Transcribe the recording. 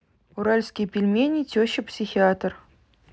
уральские пельмени теща психиатр